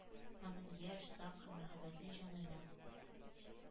Аның яшь, саф һәм мәхәббәтле җанына!